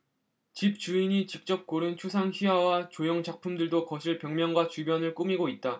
집주인이 직접 고른 추상 회화와 조형 작품들도 거실 벽면과 주변을 꾸미고 있다